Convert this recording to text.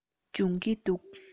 སྦྱོང གི འདུག